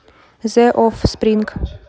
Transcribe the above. зе оффспринг